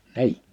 niin